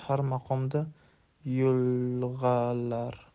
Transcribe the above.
har maqomga yo'ig'alar